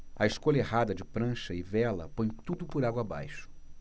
a escolha errada de prancha e vela põe tudo por água abaixo